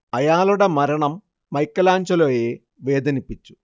അയാളുടെ മരണം മൈക്കെലാഞ്ചലോയെ വേദനിപ്പിച്ചു